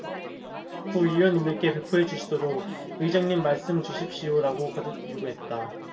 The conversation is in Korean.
구의원님들께 배포해 주시도록 의장님 말씀해 주십시오라고 거듭 요구했다